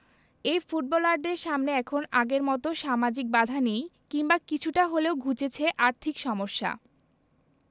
এই ফুটবলারদের সামনে এখন আগের মতো সামাজিক বাধা নেই কিংবা কিছুটা হলেও ঘুচেছে আর্থিক সমস্যা